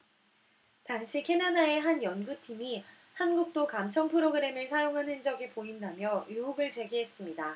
당시 캐나다의 한 연구팀이 한국도 감청프로그램을 사용한 흔적이 보인다며 의혹을 제기했습니다